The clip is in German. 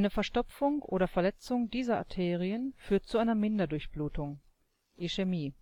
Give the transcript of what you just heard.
Verstopfung oder Verletzung dieser Arterien führt zu einer Minderdurchblutung (Ischämie